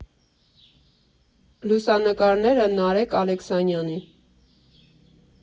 Լուսանկարները՝ Նարեկ Ալեքսանյանի։